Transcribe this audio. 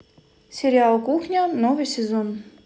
сериал кухня новый сезон